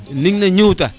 nene ñowta